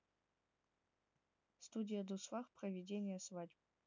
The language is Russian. студия дуслар проведение свадеб